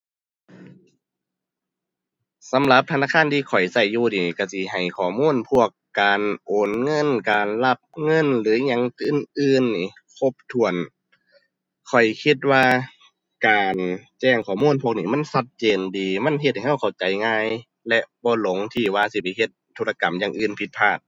สำหรับธนาคารที่ข้อยใช้อยู่นี้ใช้สิให้ข้อมูลพวกการโอนเงิน การรับเงิน หรืออิหยังอื่นอื่นนี้ ครบถ้วน ข้อยคิดว่าการแจ้งข้อมูลพวกนี้มันชัดเจนดี มันเฮ็ดให้ใช้เข้าใจง่ายและบ่หลงที่ว่าสิไปเฮ็ดธุรกรรมอย่างอื่นผิดพลาด